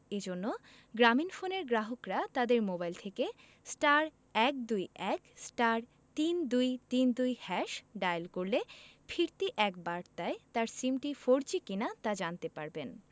এ জন্য গ্রামীণফোনের গ্রাহকরা তাদের মোবাইল থেকে *১২১*৩২৩২# ডায়াল করলে ফিরতি এক বার্তায় তার সিমটি ফোরজি কিনা তা জানতে পারবেন